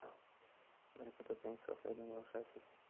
baraka toping insofli odamga o'xshaysiz